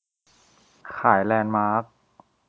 ขายแลนด์มาร์ค